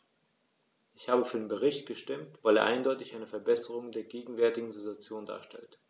Ich habe für den Bericht gestimmt, weil er eindeutig eine Verbesserung der gegenwärtigen Situation darstellt.